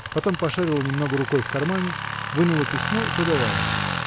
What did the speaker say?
Потом пошарила немного рукой в кармане, вынула письмо и подала ему.